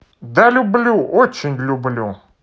да люблю очень люблю